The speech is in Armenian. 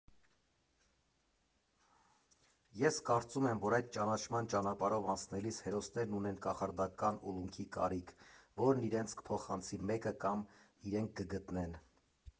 Ես կարծում եմ, որ այդ ճանաչման ճանապարհով անցնելիս հերոսներն ունեն կախարդական ուլունքի կարիք, որն իրենց կփոխանցի մեկը կամ իրենք կգտնեն։